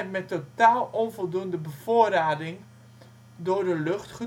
met totaal onvoldoende bevoorrading door de lucht